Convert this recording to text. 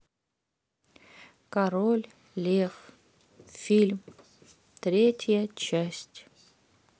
король лев фильм третья часть